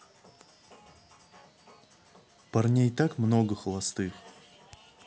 парней так много холостых